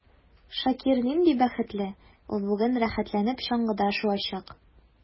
Шакир нинди бәхетле: ул бүген рәхәтләнеп чаңгыда шуачак.